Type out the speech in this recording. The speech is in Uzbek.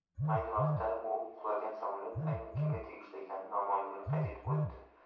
ayni vaqtda u qulagan samolyot aynan kimga tegishli ekani noma'lumligini qayd etib o'tdi